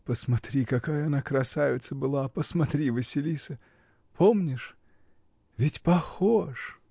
Посмотри, какая она красавица была. Посмотри, Василиса. Помнишь? Ведь похож!